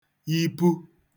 yipu